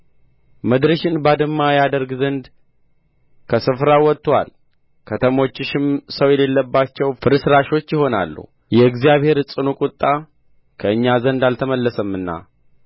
ምድርሽን ባድማ ያደርግ ዘንድ ከስፍራው ወጥቶአል ከተሞችሽም ሰው የሌለባቸው ፍርስራሾች ይሆናሉ የእግዚአብሔር ጽኑ ቁጣ ከእኛ ዘንድ አልተመለሰምና